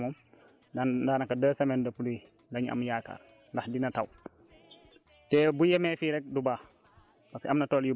xam nga dèjà ñu ngi le premier octobre donc fii yaakaar bi moom man daanaka deux semaines de pluie la ñu am yaakaar ndax dina taw